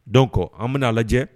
Don kɔ an bɛna'a lajɛ